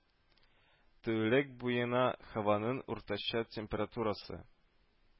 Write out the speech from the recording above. Тәүлек буена һаваның уртача температурасы